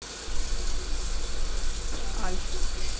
аль